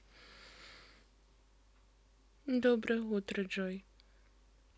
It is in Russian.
доброе утро джой